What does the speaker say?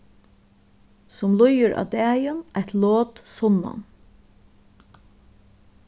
sum líður á dagin eitt lot sunnan